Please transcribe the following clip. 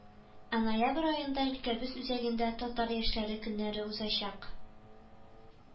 Ә ноябрь аенда өлкәбез үзәгендә Татар яшьләре көннәре узачак